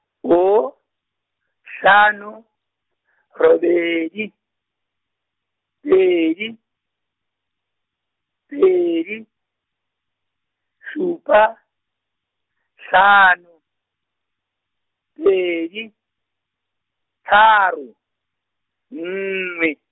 oh, hlano, robedi, pedi, pedi, supa, hlano, pedi, tharo, nngwe.